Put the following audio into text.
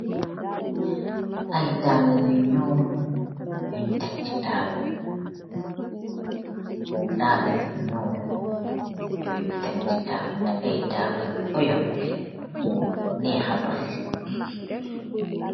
Ayy dalax yu nul yun tak si tabul , dalayu nul yun tak si tabul teh ayy dalayu ouuff leen nehaa doheex.